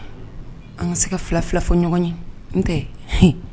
An ka se ka fila fila fɔ ɲɔgɔn ye, unhun tɛ